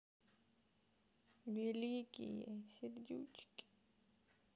великие сердючки